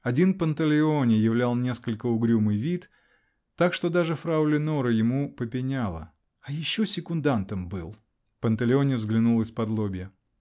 Один Панталеоне являл несколько угрюмый вид, так что даже фрау Леноре ему попеняла: "А еще секундантом был!" -- Панталеоне взглянул исподлобья.